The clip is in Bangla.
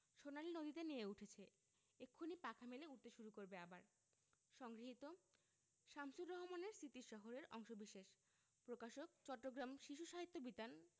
সোনালি নদীতে নেয়ে উঠেছে এক্ষুনি পাখা মেলে উড়তে শুরু করবে আবার সংগৃহীত শামসুর রাহমানের স্মৃতির শহর এর অংশবিশেষ প্রকাশকঃ চট্টগ্রাম শিশু সাহিত্য বিতান